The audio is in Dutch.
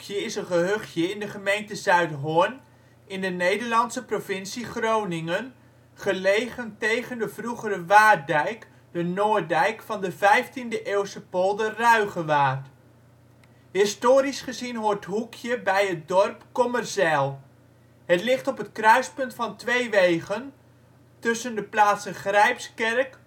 is een gehuchtje in de gemeente Zuidhorn in de Nederlandse provincie Groningen, gelegen tegen de vroegere Waarddijk (noorddijk) van de 15e eeuwse polder Ruigewaard. Historisch gezien hoort ' t Hoekje bij het dorp Kommerzijl. Het ligt op het kruispunt van twee wegen, tussen de plaatsen Grijpskerk